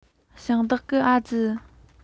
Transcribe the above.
ཞིང བདག གིས ཨ ཙི